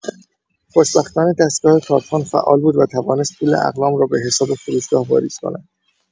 خوشبختانه دستگاه کارتخوان فعال بود و توانست پول اقلام را به‌حساب فروشگاه واریز کند.